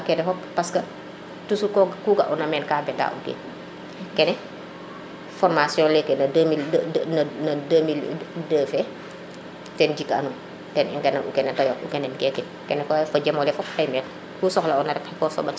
ko jika kene fop parce que toujours ku ga ona meen ka beta o kiin kene formation neke no 2002 fe ten jik anum ten i ngenen u kene te yaqu kene um gekin kene koy fojemole m=fop oxey meen ko soxla ona rek ko somban sur place